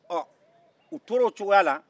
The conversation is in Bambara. ɔ u tora o cogoya la